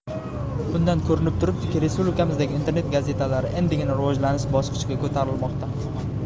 bundan ko'rinib turibdiki respublikamizdagi internet gazetalari endigina rivojlanish bosqichiga ko'tarilmoqda